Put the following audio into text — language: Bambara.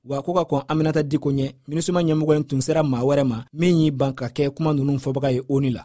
wa ko ka kɔn aminata dikko ɲɛ minusima ɲɛmɔgɔ in tun sera maa wɛrɛ ma min y'i ban ka kɛ kuma ninnu fɔbaga ye onu la